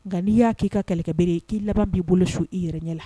Nka n'i y'a' ii ka kɛlɛkɛbere k'i laban b'i bolo so i yɛrɛ ɲɛ la